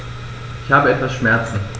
Ich habe etwas Schmerzen.